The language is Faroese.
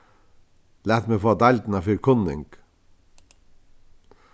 lat meg fáa deildina fyri kunning